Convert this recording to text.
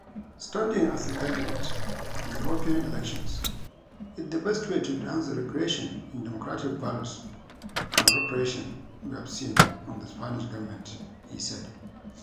"Standing as a candidate for the European elections is the best way to denounce the regression in democratic values and repression we have seen from the Spanish government," he said.